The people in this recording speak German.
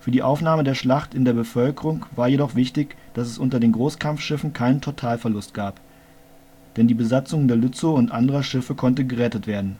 Für die Aufnahme der Schlacht in der Bevölkerung war jedoch wichtig, dass es unter den Großkampfschiffen keinen Totalverlust gab, denn die Besatzung der Lützow und anderer Schiffe konnte gerettet werden